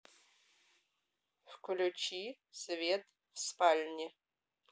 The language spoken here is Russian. включи свет в спальне